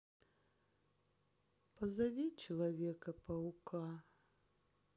позови человека паука